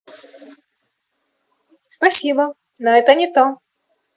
спасибо но это не то